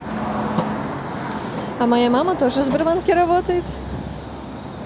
а моя мама тоже в сбербанке работает